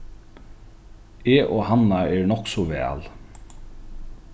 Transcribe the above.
eg og hanna eru nokk so væl